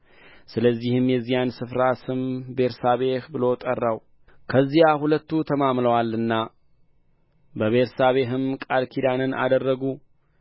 ስለዚህ የዚያን ስፍራ ስም ቤርሳቤህ ብሎ ጠራው ከዚያ ሁለቱ ተማምለዋልና በቤርሳቤህም ቃል ኪዳንን አደረጉ